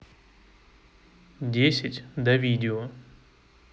десять да видио